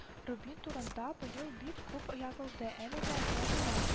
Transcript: Рубин турында быел бик күп язылды, әле дә языла